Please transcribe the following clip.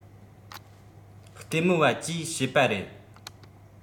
ལྟད མོ བ ཅེས བཤད པ རེད